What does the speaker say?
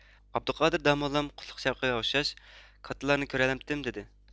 ئابدۇقادىر داموللام قۇتلۇق شەۋقىگە ئوخشاش كاتتىلارنى كۆرەلەمتىم دېدى